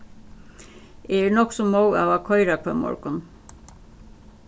eg eri nokk so móð av at koyra hvønn morgun